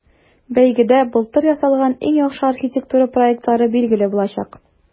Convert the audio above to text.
Бәйгедә былтыр ясалган иң яхшы архитектура проектлары билгеле булачак.